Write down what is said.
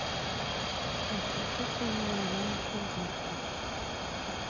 разрушительное ранчо в ютуб